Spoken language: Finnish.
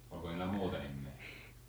oliko niillä muuta nimeä